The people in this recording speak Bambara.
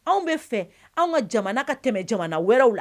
Anw bɛ fɛ an ka jamana ka tɛmɛ jamana wɛrɛw la